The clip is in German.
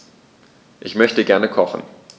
Ich möchte gerne kochen.